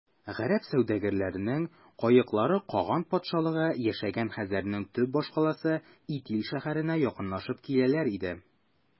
Гарәп сәүдәгәренең каеклары каган патшалыгы яшәгән хәзәрнең төп башкаласы Итил шәһәренә якынлашып киләләр иде.